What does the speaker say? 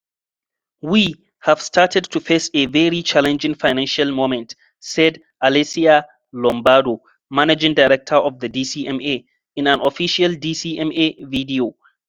We [have started] to face a very challenging financial moment, said Alessia Lombardo, managing director of the DCMA, in an official DCMA video.